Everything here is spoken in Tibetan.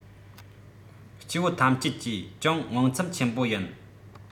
སྐྱེ བོ ཐམས ཅད ཀྱིས ཅུང དངངས ཚབ ཆེན པོ ཡིན